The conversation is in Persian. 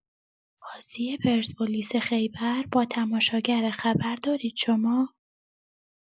بازی پرسپولیس خیبر با تماشاگره خبر دارید شما؟